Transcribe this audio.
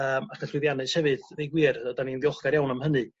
yym ac yn llwyddiannus hefyd deu gwir 'da ni'n ddiolchgar iawn am hynny